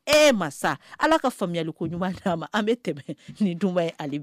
E ala ka faamuyamuyaliko ɲuman di ma an bɛ tɛmɛ nin dunbaya ale